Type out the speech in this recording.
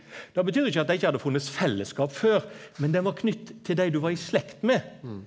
det betyr ikkje at dei ikkje hadde funnest fellesskap før men den var knytt til dei du var i slekt med.